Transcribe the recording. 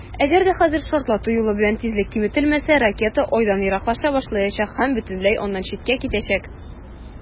Әгәр дә хәзер шартлату юлы белән тизлек киметелмәсә, ракета Айдан ераклаша башлаячак һәм бөтенләй аннан читкә китәчәк.